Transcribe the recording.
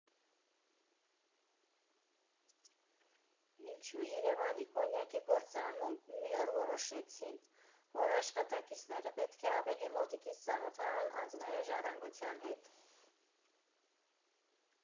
Ինչո՞ւ Երևանի կոնյակի գործարանում մի օր որոշեցին, որ աշխատակիցները պետք է ավելի մոտիկից ծանոթանան ազգային ժառանգության հետ։